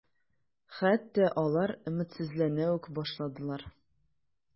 Хәтта алар өметсезләнә үк башладылар.